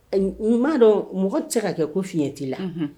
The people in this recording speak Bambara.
En m'a dɔɔn mɔgɔ ti se ka kɛ ko fiyɛ t'i la unhun